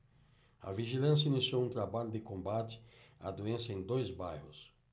a vigilância iniciou um trabalho de combate à doença em dois bairros